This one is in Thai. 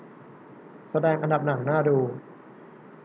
แสดงอันดับหนังน่าดู